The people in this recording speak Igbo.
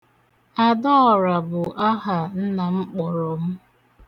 Adaọra bụ aha nna m kpọrọ m.